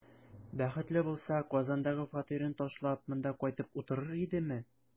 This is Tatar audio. Бәхетле булса, Казандагы фатирын ташлап, монда кайтып утырыр идеме?